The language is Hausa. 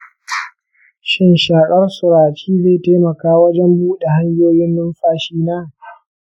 shin shakar surace zai taimaka wajen buɗe hanyoyin numfashina?